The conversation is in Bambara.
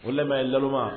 O lamɛn nalonman